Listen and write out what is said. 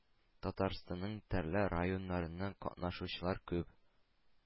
Татарстанның төрле районнарыннан катнашучылар күп.